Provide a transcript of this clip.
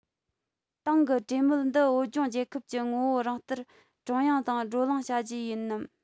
དེང གི གྲོས མོལ འདི བོད ལྗོངས རྒྱལ ཁབ ཀྱི ངོ བོ རང ལྟར ཀྲུང དབྱང དང བགྲོ གླེང བྱ རྒྱུ ཡིན ནམ